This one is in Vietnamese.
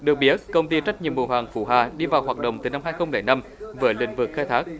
được biết công ty trách nhiệm hữu hạn phú hà đi vào hoạt động từ năm hai không lẻ năm với lĩnh vực khai thác